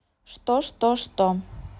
что что что